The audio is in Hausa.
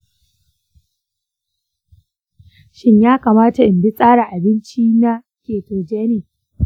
shin ya kamata in bi tsarin abinci na ketogenic?